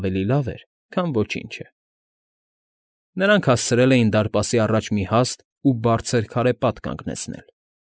Ավելի լավ էր, քան ոչինչը)։ Նրանք հասցրել էին դարպասի առաջ մի հաստ ու բարձր քարե պատ կանգնեցնել։